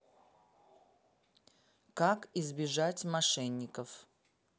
как избежать мошенников